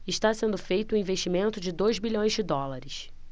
está sendo feito um investimento de dois bilhões de dólares